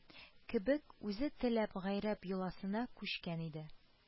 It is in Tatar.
Кебек, үзе теләп гарәп йоласына күчкән иде